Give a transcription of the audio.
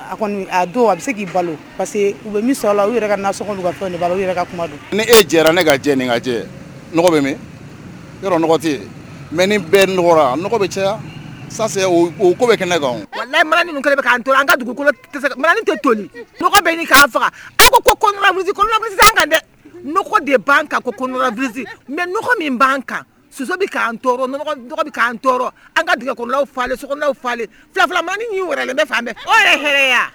Don a bɛ se k'i balo parce que u bɛ fɛn kuma e jɛra ne ka jɛ ni ka jɛ mɛ ni bɛɛ n bɛ cɛ sa ko bɛ kɛnɛ la' to an ka dugu tɛ to bɛ k' faga a ko ko kan dɛ de'an kan mɛ min b'an kan soso k'an k' tɔɔrɔ an ka dugukolaw falenlaw falen fila filamani wɛrɛ bɛ hɛrɛya